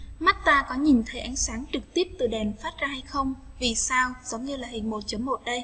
mắt ta có nhìn thấy ánh sáng trực tiếp từ đèn phát ra hay không vì sao có nhiều loại hình chấm